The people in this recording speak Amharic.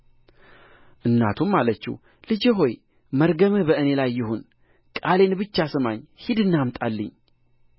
እናቱም አለችው ልጄ ሆይ መርገምህ በእኔ ላይ ይሁን ቃሌን ብቻ ስማኝ ሂድና አምጣልኝ